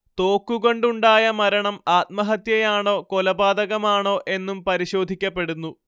തോക്കുകൊണ്ടുണ്ടായ മരണം ആത്മഹത്യയാണോ കൊലപാതകമാണോ എന്നും പരിശോധിക്കപ്പെടുന്നു